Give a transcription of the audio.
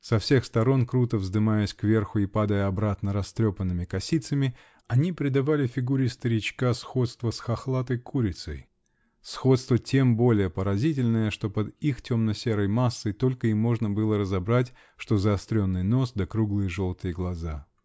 Со всех сторон круто вздымаясь кверху и падая обратно растрепанными косицами, они придавали фигуре старичка сходство с хохлатой курицей -- сходство тем более поразительное, что под их темно-серой массой только и можно было разобрать, что заостренный нос да круглые желтые глаза.